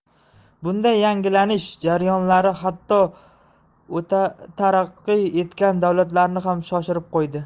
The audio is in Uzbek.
bunday yangilanish jarayonlari hatto'taraqqiy etgan davlatlarni ham shoshirib qo'ydi